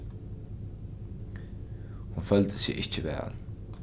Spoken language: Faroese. hon føldi seg ikki væl